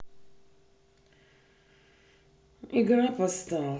игра постал